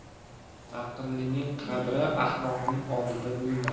aqllining qadri ahmoqning oldida bilinar